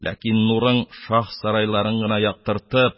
Ләкин нурын, шаһ сарайларын гына яктыртып,